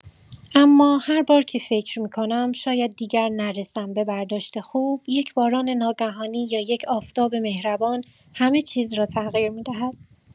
اما هر بار که فکر می‌کنم شاید دیگر نرسم به برداشت خوب، یک باران ناگهانی یا یک آفتاب مهربان همه چیز را تغییر می‌دهد.